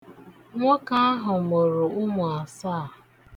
Nwoke ahụ mụrụ ụmụ asaa.